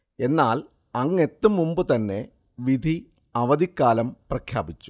എന്നാൽ അങ്ങെത്തും മുമ്പുതന്നെ വിധി അവധിക്കാലം പ്രഖ്യാപിച്ചു